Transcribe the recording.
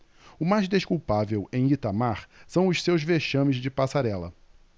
o mais desculpável em itamar são os seus vexames de passarela